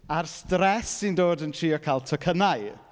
A'r stress sy'n dod yn trio cael tocynnau.